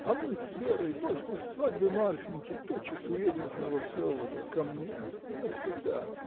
А мы с Верой, после свадьбы Марфиньки, тотчас уедем в Новоселово, ко мне, навсегда.